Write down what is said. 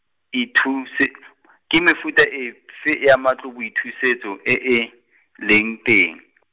ithuse , ke mefuta efe ya matloboithusetso, e e, leng teng?